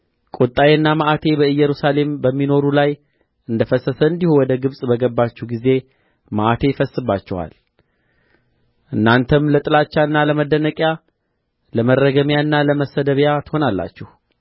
ቁጣዬና መዓቴ በኢየሩሳሌም በሚኖሩ ላይ እንደ ፈሰሰ እንዲሁ ወደ ግብጽ በገባችሁ ጊዜ መዓቴ ይፈስስባችኋል እናንተም ለጥላቻና ለመደነቂያ ለመረገሚያና ለመሰደቢያ ትሆናላችሁ